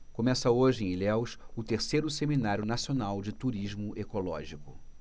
começa hoje em ilhéus o terceiro seminário nacional de turismo ecológico